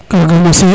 kaga mose